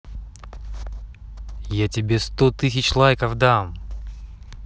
я тебе сто тысяч лайков дам